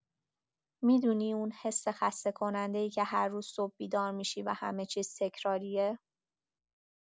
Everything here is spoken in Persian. می‌دونی اون حس خسته‌کننده‌ای که هر روز صبح بیدار می‌شی و همه‌چیز تکراریه؟